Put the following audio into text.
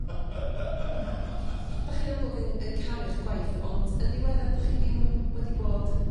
Dach chi'n amlwg yn yn caru'ch gwaith ond yn diweddar dych chi ddim wedi bod